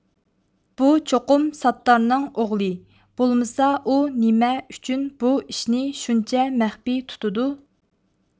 بۇ چوقۇم ساتتارنىڭ ئوغلى بولمىسا ئۇ نېمە ئۈچۈن بۇ ئىشنى شۇنچە مەخپىي تۇتىدۇ